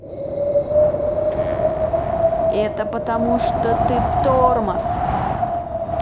это потому что ты тормоз